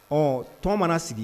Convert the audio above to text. Ɔ tɔn mana sigi